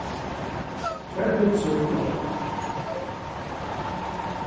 tvær pitsur til ovn